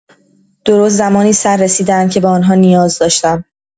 درست زمانی سررسیدند که به آن‌ها نیاز داشتم.